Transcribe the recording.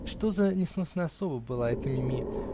Что за несносная особа была эта Мими!